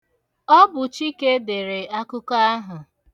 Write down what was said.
Ọ bụ Chike dere akụkọ ahụ.